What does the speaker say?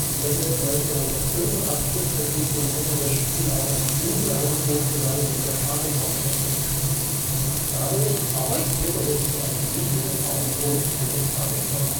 Ende 1985 vertrieb Nintendo das Spiel auch als Bündelangebot zusammen mit der Famicom-Konsole. Dadurch avancierte es zu einem wichtigen Kaufgrund für das Famicom